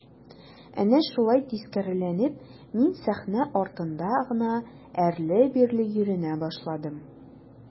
Әнә шулай тискәреләнеп мин сәхнә артында гына әрле-бирле йөренә башладым.